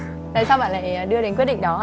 tại sao bạn lại đưa đến quyết định đó ạ